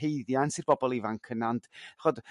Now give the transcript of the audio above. haeddiant i'r bobol ifanc yna ond ch'od